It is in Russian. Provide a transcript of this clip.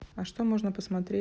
а что можно посмотреть